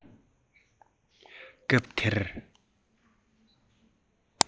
སྐབས དེར